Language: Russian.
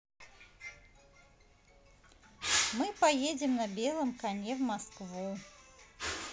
мы поедем на белом коне в москву